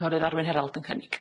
Cynghorydd Arwyn Herald yn cynnig.